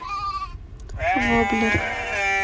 воблер